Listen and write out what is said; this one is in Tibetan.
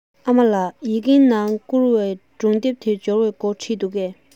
ཨ མ ལགས ཡི གེ ནང ཟླ བསྐུར བའི སྒྲུང དེབ དེ འབྱོར བའི སྐོར བྲིས འདུག གས